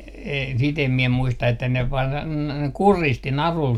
- sitä en minä muista että ne - kuristi narulla